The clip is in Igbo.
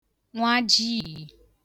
nwajii